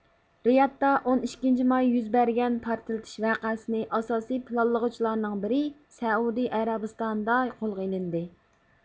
رىيادتا ئون ئىككىنچى ماي يۈز بەرگەن پارتلىتىش ۋەقەسىنى ئاساسىي پىلانلىغۇچىلارنىڭ بىرى سەئۇدى ئەرەبىستانىدا قولغا ئېلىندى